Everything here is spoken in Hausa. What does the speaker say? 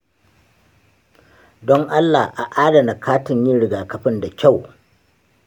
don allah a adana katin yin rigakafin da kyau.